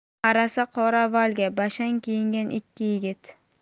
qarasa qora volga bashang kiyingan ikki yigit